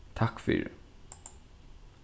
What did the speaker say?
takk fyri